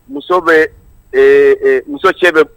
Muso bɛ ɛɛ, muso cɛ bɛ